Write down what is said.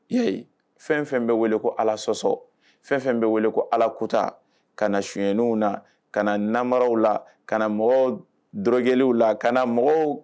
Ya fɛn fɛn bɛ wele ko ala sɔsɔ fɛn fɛn bɛ wele ko ala kuta ka na suyinw la ka kana na naraww la ka mɔgɔwɔrɔjɛliw la ka mɔgɔw